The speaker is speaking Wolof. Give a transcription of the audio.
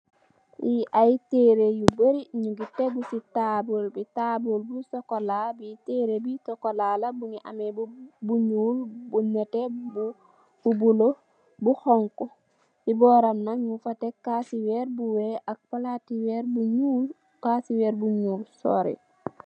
Lee aye tereh yu bory nuge tegu se taabul be taabul bu sukola tereh be sukola la muge ameh bu nuul bu neteh bu bulo bu xonxo se boram nak nugfa tek kase werr bu weex ak palate werr bu nuul kase werr bu nuul sore.